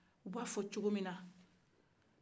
u bɛ a fɔ cogo mina